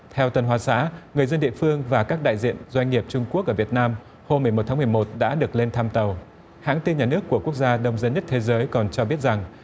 theo tân hoa xã người dân địa phương và các đại diện doanh nghiệp trung quốc ở việt nam hôm mười một tháng mười một đã được lên thăm tàu hãng tin nhà nước của quốc gia đông dân nhất thế giới còn cho biết rằng